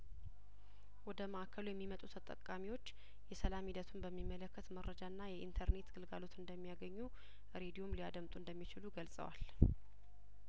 ወደ ማእከሉ የሚመጡ ተጠቃሚዎች የሰላም ሂደቱን በሚመለከት መረጃና የኢንተርኔት ግልጋሎት እንደሚያገኙ ሬዲዮም ሊያደምጡ እንደሚችሉ ገልጸዋል